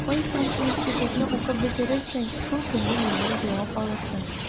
Кайчан институтны укып бетерерсең, шул көнне миннән җавап алырсың.